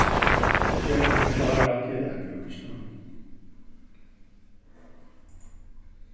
og geri meg klára til avbjóðingina